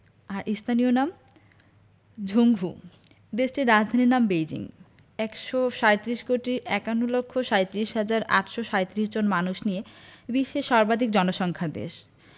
আর স্থানীয় নাম ঝুংঘু দেশটির রাজধানীর নাম বেইজিং ১৩৭ কোটি ৫১ লক্ষ ৩৭ হাজার ৮৩৭ জন মানুষ নিয়ে বিশ্বের সর্বাধিক জনসংখ্যার দেশ